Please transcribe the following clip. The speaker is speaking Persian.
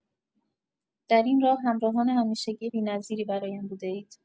در این راه، همراهان همیشگی بی‌نظیری برایم بوده‌اید.